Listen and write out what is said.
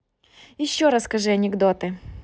еще расскажи анекдоты